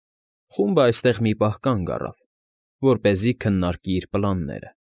Խումբը այստեղ մի պահ կանգ առավ, որպեսզի քննարկի իր պլանները։ ֊